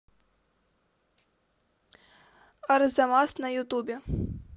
арзамас на ютубе